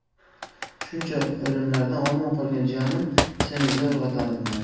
shuncha o'limlardan omon qolgan jiyanim seni zo'rg'a tanibmen